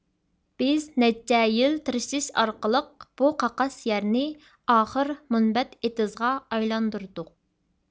بىز نەچچە يىل تىرىشىش ئارقىلىق بۇ قاقاس يەرنى ئاخىر مۇنبەت ئېتىزغا ئايلاندۇردۇق